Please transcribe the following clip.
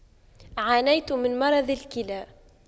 عانيت من مرض الكلى